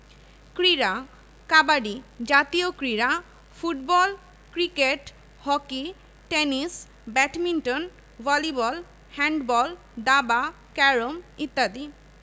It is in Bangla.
ক্রীড়াঃ কাবাডি জাতীয় ক্রীড়া football cricket hockey tennis badminton volleyball handball দাবা ক্যারম ইত্যাদি